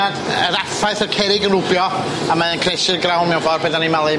Yy yr affaith y cerrig yn rwbio a mae o'n cnesu'r grawn mewn ffor pan dan ni'n malu.